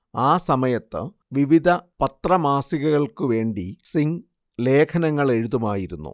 ആ സമയത്ത് വിവിധ പത്രമാസികകൾക്കുവേണ്ടി സിംഗ് ലേഖനങ്ങളെഴുതുമായിരുന്നു